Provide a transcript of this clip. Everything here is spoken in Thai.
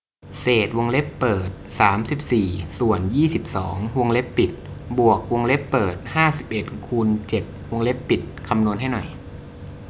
เศษวงเล็บเปิดสามสิบสี่ส่วนยี่สิบสองวงเล็บปิดบวกวงเล็บเปิดห้าสิบเอ็ดคูณเจ็ดวงเล็บปิดคำนวณให้หน่อย